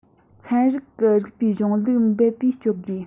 ཚན རིག གི རིགས པའི གཞུང ལུགས འབད པས སྤྱོད དགོས